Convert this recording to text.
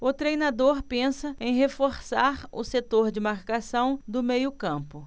o treinador pensa em reforçar o setor de marcação do meio campo